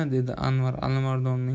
dedi anvar alimardonning